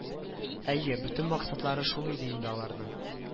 Әйе бөтен максатлары шул иде инде аларның